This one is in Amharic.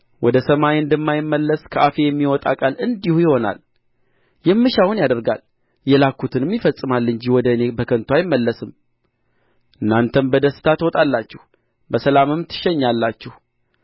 ወደ ሰማይ እንደማይመለስ ከአፌ የሚወጣ ቃሌ እንዲሁ ይሆናል የምሻውን ያደርጋል የላክሁትንም ይፈጽማል እንጂ ወደ እኔ በከንቱ አይመለስም እናንተም በደስታ ትወጣላችሁ በሰላምም ትሸኛላችሁ